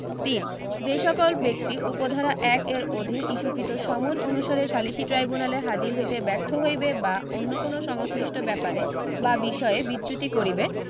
৩ যেই সকল ব্যক্তি উপ ধারা ১ এর অধীন ইস্যুকৃত সমন অনুসারে সালিসী ট্রাইব্যুনালে হাজির হইতে ব্যর্থ হইবে বা অন্য কোন সংশ্লিষ্ট ব্যাপারে বা বিষয়ে বিচ্যুতি করিবে